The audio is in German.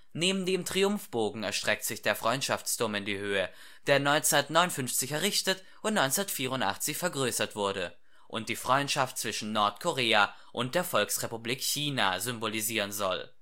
Neben dem Triumphbogen erstreckt sich der Freundschaftsturm in die Höhe, der 1959 errichtet und 1984 vergrößert wurde und die Freundschaft zwischen Nordkorea und der Volksrepublik China symbolisieren soll